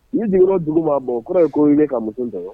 Ni dugu dugu maa bɔ k kɔrɔ ye ko ye ka muso ta